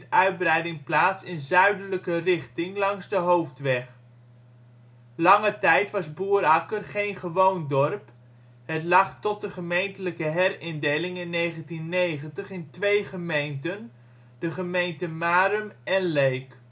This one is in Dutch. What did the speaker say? uitbreiding plaats in zuidelijke richting langs de Hoofdweg. Lange tijd was Boerakker geen ' gewoon ' dorp. Het lag tot de gemeentelijke herindeling in 1990 in twee gemeenten, de gemeente Marum en Leek